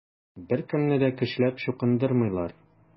Беркемне дә көчләп чукындырмыйлар.